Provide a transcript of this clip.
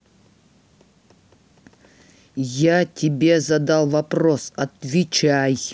я тебе задал вопрос отвечай